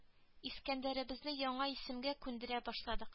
Искәндәребезне яңа исемгә күндерә башладык